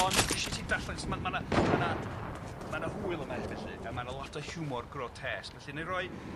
on' fi isie ti darllen so ma' ma' 'na ma' 'na ma' 'na hwyl yma hefyd 'lly a ma' 'na lot o hiwmor grotesque felly 'nai roi